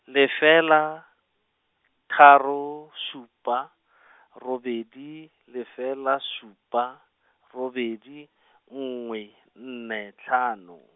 lefela, tharo supa , robedi, lefela supa, robedi , nngwe nne tlhano.